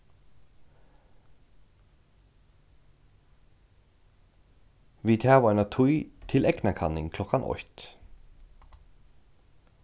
vit hava eina tíð til eygnakanning klokkan eitt